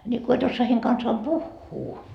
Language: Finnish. niin kun et osaa heidän kanssaan puhua